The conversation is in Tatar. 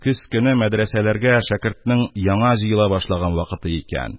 Көз көне мәдрәсәләргә шәкертнең яңа җыела башлаган вакыты икән.